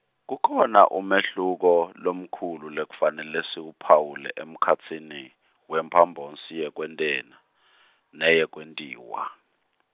kukhona umehluko lomkhulu lekufanele siwuphawule emkhatsini, wemphambosi yekwentena , neyekwentiwa.